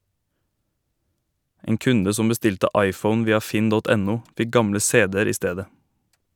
En kunde som bestilte iphone via finn.no fikk gamle cd-er i stedet.